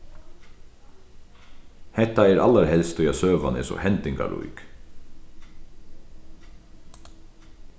hetta er allarhelst tí at søgan er so hendingarík